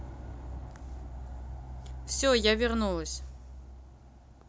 все я вернулась